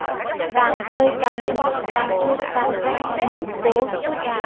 càng chơi càng thua càng thua càng cay cú cố gỡ gạc